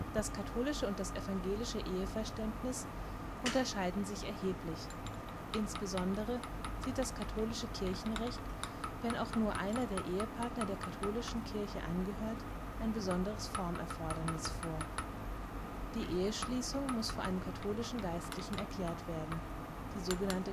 Das katholische und das evangelische Eheverständnis unterscheiden sich erheblich. Insbesondere sieht das katholische Kirchenrecht, wenn auch nur einer der Ehepartner der katholischen Kirche angehört, ein besonderes Formerfordernis vor: Die Eheschließung muss vor einem katholischen Geistlichen erklärt werden (sog.